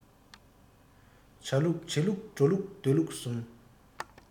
བྱ ལུགས བྱེད ལུགས འགྲོ ལུགས སྡོད ལུགས གསུམ